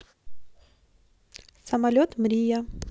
самолет мрия